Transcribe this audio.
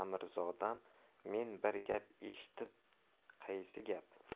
amirzodam men bir gap eshitdim qaysi gap